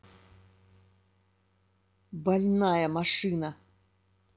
больная машина